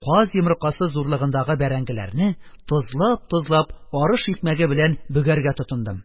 Каз йомыркасы зурлыгындагы бәрәңгеләрне, тозлап-тозлап, арыш икмәге белән бөгәргә тотындым.